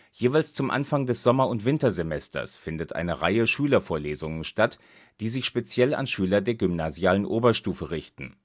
Jeweils zum Anfang des Sommer - und Wintersemesters findet eine Reihe Schülervorlesungen statt, die sich speziell an Schüler der Gymnasialen Oberstufe richten